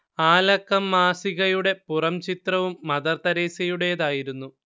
ആ ലക്കം മാസികയുടെ പുറംചിത്രവും മദർതെരേസയുടേതായിരുന്നു